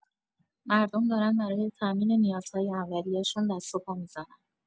مردم دارن برای تامین نیازهای اولیه‌شون دست و پا می‌زنن.